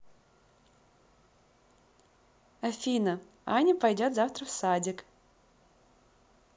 афина аня пойдет завтра в садик